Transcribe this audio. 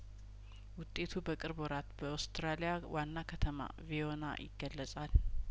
ውጤቱ በቅርብ ወራት በኦስትራሊያ ዋና ከተማ ቪዮና ይገለጻል